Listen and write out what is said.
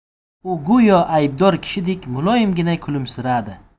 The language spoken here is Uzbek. u go'yo aybdor kishidek muloyimgina kulimsirabdi